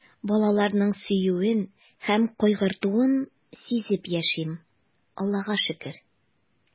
Балаларның сөюен һәм кайгыртуын сизеп яшим, Аллага шөкер.